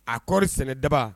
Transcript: A kɔrɔɔri sɛnɛ daba